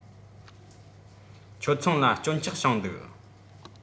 ཁྱོད ཚང ལ སྐྱོན ཆག བྱུང འདུག